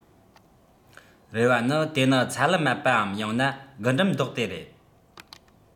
རེ བ ནི དེ ནི ཚ ལུ མ པའམ ཡང ན རྒུན འབྲུམ མདོག དེ རེད